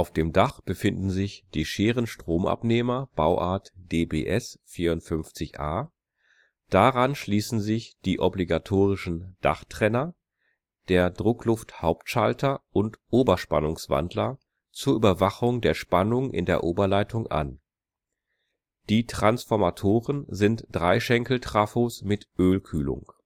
dem Dach befinden sich die Scheren-Stromabnehmern Bauart DBS 54a, daran schließen sich die obligatorischen Dachtrenner, der Druckluft-Hauptschalter und Oberspannungswandler zur Überwachung der Spannung in der Oberleitung an. Die Transformatoren sind Dreischenkel-Trafos mit Ölkühlung